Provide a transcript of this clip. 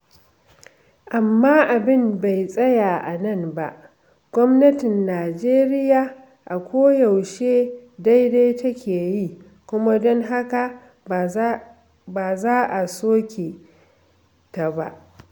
Amma abin bai tsaya a nan ba, gwamnatin Najeriya a koyaushe daidai take yi, kuma don haka ba za a soke ta ba.